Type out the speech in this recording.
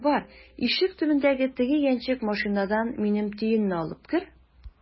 Бар, ишек төбендәге теге яньчек машинадан минем төенне алып кер!